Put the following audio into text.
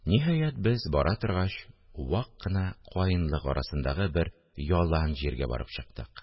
Ниһаять, без, бара торгач, вак кына каенлык арасындагы бер ялан җиргә барып чыктык